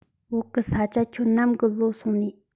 བོད གི ས ཆ ཁྱོད ནམ གི ལོ སོང ནིས